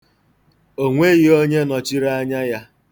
O nweghi onye nọchiri anya ya.